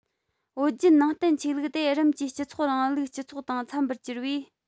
བོད བརྒྱུད ནང བསྟན ཆོས ལུགས དེ རིམ གྱིས སྤྱི ཚོགས རིང ལུགས སྤྱི ཚོགས དང འཚམ པར གྱུར པས